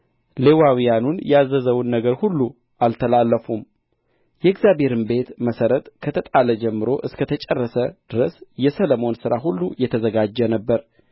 ሌዋውያኑን ያዘዘውን ነገር ሁሉ አልተላለፉም የእግዚአብሔርም ቤት መሠረት ከተጣለ ጀምሮ እስከ ተጨረሰ ድረስ የሰሎሞን ሥራ ሁሉ የተዘጋጀ ነበረ